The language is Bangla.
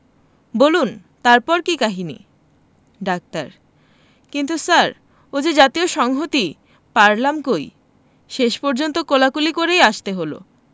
বলুন তারপর কি কাহিনী ডাক্তার কিন্তু স্যার ও যে জাতীয় সংহতি পারলাম কই শেষ পর্যন্ত কোলাকুলি করেই আসতে হলো